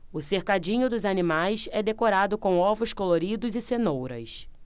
o cercadinho dos animais é decorado com ovos coloridos e cenouras